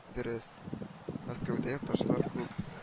Дөрес, Мәскәүдә якташлар күп